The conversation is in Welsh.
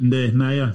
Yndi, na ia.